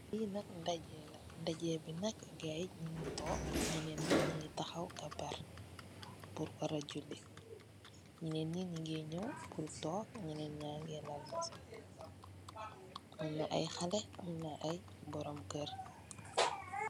Li nak ndaje la, ndaje bi nak gaay nyungi tok. Nyenen nyungi takhaw kabar pur wara julli. Nyenen ni nyungi nyow pur tok, nyenen yi nyungi lal basam amna ay khaleh ak ay borom keur